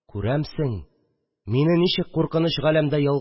Күрәмсең, мине ничек куркыныч галәмдә